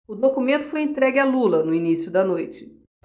o documento foi entregue a lula no início da noite